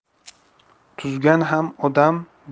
tuzgan ham odam